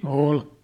oli